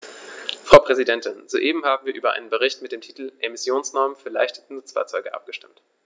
Frau Präsidentin, soeben haben wir über einen Bericht mit dem Titel "Emissionsnormen für leichte Nutzfahrzeuge" abgestimmt.